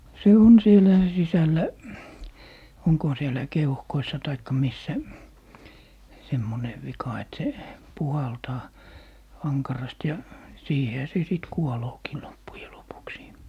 se on siellä sisällä onkohan siellä keuhkoissa tai missä semmoinen vika että se puhaltaa ankarasti ja siihenhän se sitten kuoleekin loppujen lopuksi